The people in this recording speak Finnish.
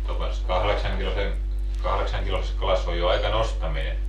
jopas - kahdeksankiloisessa kalassa on jo aika nostaminen